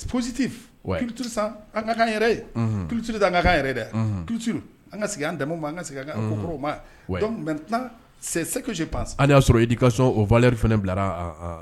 positif ouais culture sa, an ka kan yɛrɛ ye, unhun culture de t'an ka kan yɛrɛ dɛ, culture an ka segin an danbew ma, an ka segin an ka ko kɔrɔw ma donc maintenant c'est ce que je pense hali n'a y'a sɔrɔ éducation o valeur fana bila la